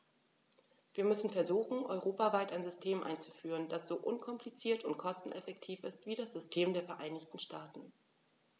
Wir müssen versuchen, europaweit ein System einzuführen, das so unkompliziert und kosteneffektiv ist wie das System der Vereinigten Staaten.